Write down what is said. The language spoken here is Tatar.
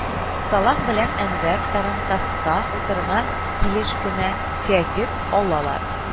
Салах белән Әнвәр тарантаска утырган килеш кенә кәгеп алалар